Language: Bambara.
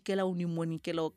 Kɛlaw ni mɔnɔnikɛlaw